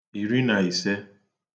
ìri nà ìse